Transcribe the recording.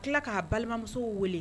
Kila ka balimamusow wele.